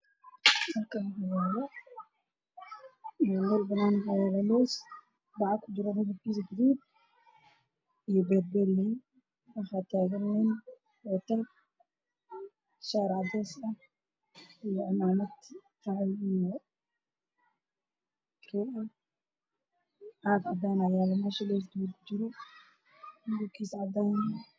Waxaa dhulka yaalo xamur oo ku jira bac oo fara badan qof ay ag taagan oo guranayo